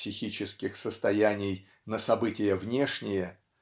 психических состояний на события внешние